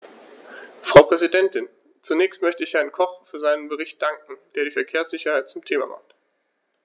Frau Präsidentin, zunächst möchte ich Herrn Koch für seinen Bericht danken, der die Verkehrssicherheit zum Thema hat.